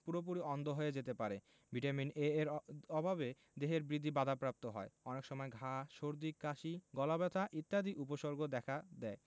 পুরোপুরি অন্ধ হয়ে যেতে পারে ভিটামিন এ এর অভাবে দেহের বৃদ্ধি বাধাপ্রাপ্ত হয় অনেক সময় ঘা সর্দি কাশি গলাব্যথা ইত্যাদি উপসর্গও দেখা দেয়